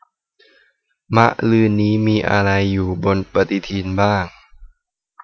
มะรืนนี้มีอะไรอยู่บนปฎิทินบ้าง